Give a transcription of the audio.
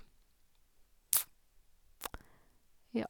Ja.